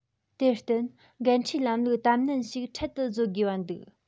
དེར བརྟེན འགན འཁྲིའི ལམ ལུགས དམ ནན ཞིག འཕྲལ དུ བཟོ དགོས པ འདུག